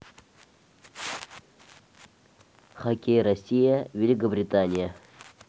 хоккей россия великобритания